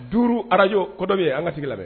Du arajo kɔ dɔ bɛ ye an ka sigi labɛn